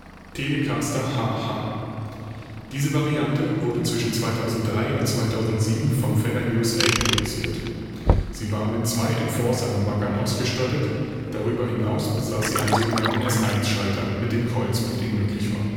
Telecaster HH - Diese Variante wurde zwischen 2003 und 2007 von Fender USA produziert. Sie war mit zwei Enforcer-Humbuckern ausgestattet. Darüber hinaus besaß sie einen so genannten S-1 Schalter, mit dem Coil-Splitting möglich war